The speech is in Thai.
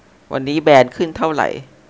วันนี้แบรนด์ขึ้นเท่าไหร่